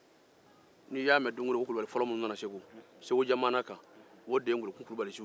n'i y'a mɛn ko kulubali fɔlɔ minnu nana segu jamana ka o de ye ŋolokunna kulubaliw